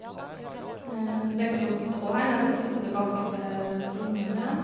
Det kan godt òg hende at jeg flytter tilbake til Trondhjem igjen.